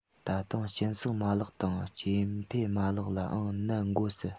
ད དུང གཅིན ཟགས མ ལག དང སྐྱེ འཕེལ མ ལག ལའང ནད འགོ སྲིད